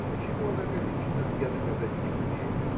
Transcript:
Почему она комична – я доказать не умею.